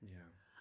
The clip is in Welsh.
Ie.